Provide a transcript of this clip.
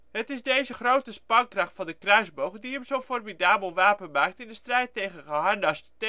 Het is deze grote spankracht van de kruisboog die hem zo 'n formidabel wapen maakte in de strijd tegen geharnaste tegenstanders